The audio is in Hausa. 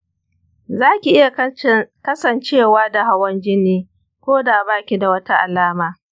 za ki iya kasancewa da hawan jini ko da ba ki da wata alama.